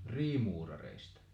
friimuurareista